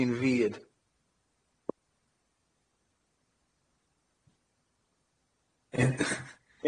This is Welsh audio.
Ti'n fud.